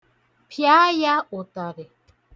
Piaa ya ụtarị!